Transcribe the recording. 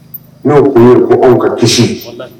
N'o tun ye ko anw ka kisi